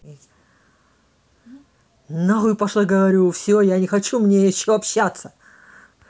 нахуй пошла говорю все я не хочу мне еще общаться